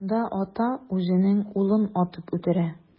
Шунда ата үзенең улын атып үтерә.